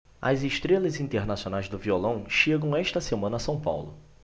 as estrelas internacionais do violão chegam esta semana a são paulo